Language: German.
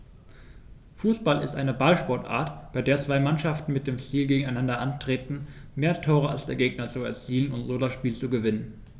Fußball ist eine Ballsportart, bei der zwei Mannschaften mit dem Ziel gegeneinander antreten, mehr Tore als der Gegner zu erzielen und so das Spiel zu gewinnen.